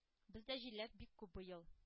“бездә җиләк бик күп быел.